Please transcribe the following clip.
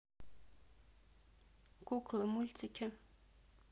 куклы мультики